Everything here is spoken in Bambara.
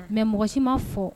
Mais mɔgɔ si ma fɔ.